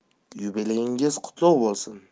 yubileyingiz qutlug' bo'lsin